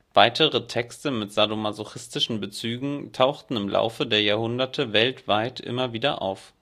Weitere Texte mit sadomasochistischen Bezügen tauchten im Laufe der Jahrhunderte weltweit immer wieder auf